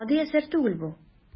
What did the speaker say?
Гади әсәр түгел бу.